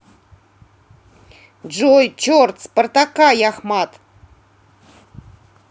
джой черт спартака яхмат